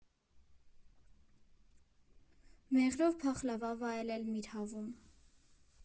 Մեղրով փախլավա վայելել «Միրհավում»